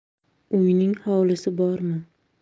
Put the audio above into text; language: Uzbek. uyning xovlisi bormi